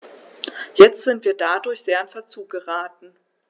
Jetzt sind wir dadurch sehr in Verzug geraten.